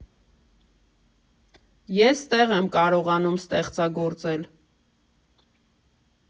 Ես ստեղ եմ կարողանում ստեղծագործել։